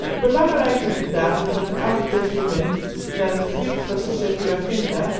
belangrijke vertaling van het Oude Testament naar het Grieks was de Septuaginta